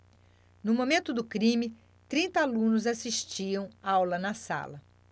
no momento do crime trinta alunos assistiam aula na sala